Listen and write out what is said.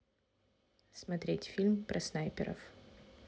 смотреть фильмы про снайперов